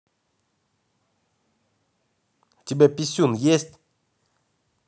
у тебя писюн есть